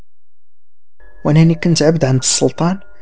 وين كنت عند السلطان